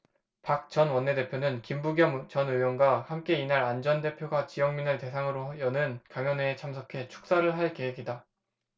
박 전 원내대표는 김부겸 전 의원과 함께 이날 안 전 대표가 지역민을 대상으로 여는 강연회에 참석해 축사를 할 계획이다